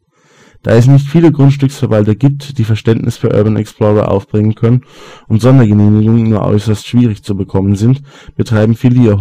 Da es nicht viele Grundstücksverwalter gibt, die Verständnis für Urban Explorer aufbringen können und Sondergenehmigungen nur äußerst schwierig zu bekommen sind, betreiben viele